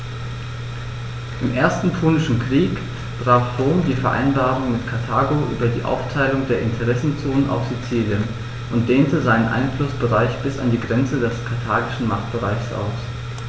Im Ersten Punischen Krieg brach Rom die Vereinbarung mit Karthago über die Aufteilung der Interessenzonen auf Sizilien und dehnte seinen Einflussbereich bis an die Grenze des karthagischen Machtbereichs aus.